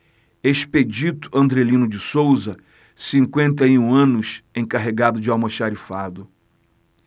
expedito andrelino de souza cinquenta e um anos encarregado de almoxarifado